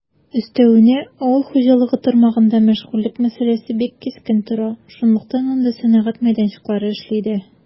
Өстәвенә, авыл хуҗалыгы тармагында мәшгульлек мәсьәләсе бик кискен тора, шунлыктан анда сәнәгать мәйданчыклары эшли дә.